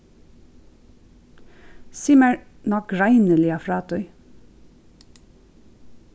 sig mær nágreiniliga frá tí